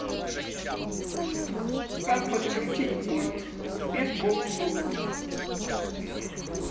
как подключить пульт к сбербоксу